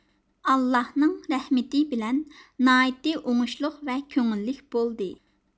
ئاللاھنىڭ رەھمىتى بىلەن ناھايتى ئوڭۇشلۇق ۋە كۆڭۈللۈك بولدى